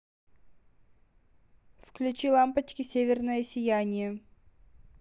включи лампочки северное сияние